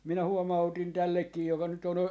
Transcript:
minä huomautin tällekin joka nyt on